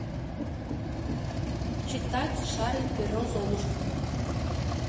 читать шарль перро золушка